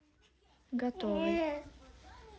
готовый